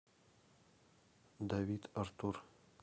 давид артур